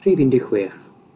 Rhif un deg chwech.